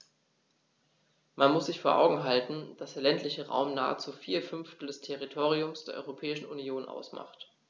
Man muss sich vor Augen halten, dass der ländliche Raum nahezu vier Fünftel des Territoriums der Europäischen Union ausmacht.